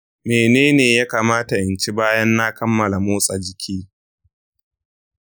mene ne ya kamata in ci bayan na kammala motsa jiki?